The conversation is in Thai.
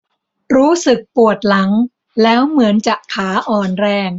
รู้สึกปวดหลังแล้วเหมือนจะขาอ่อนแรง